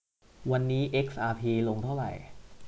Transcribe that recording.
วันนี้เอ็กอาร์พีลงเท่าไหร่